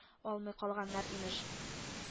Алмый калганнар, имеш